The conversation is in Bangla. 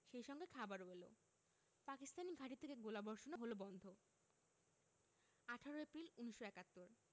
সেই সঙ্গে খাবারও এলো পাকিস্তানি ঘাঁটি থেকে গোলাবর্ষণও হলো বন্ধ ১৮ এপ্রিল ১৯৭১